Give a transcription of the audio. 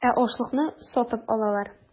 Ә ашлыкны сатып алалар.